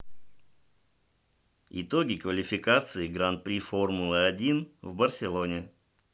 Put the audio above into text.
итоги квалификации гран при формулы один в барселоне